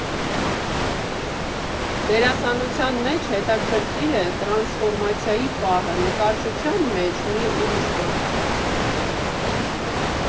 Դերասանության մեջ հետաքրքիր է տրանսֆորմացիայի պահը, նկարչության մեջ՝ մի ուրիշ բան։